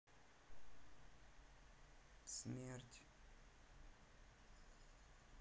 смерть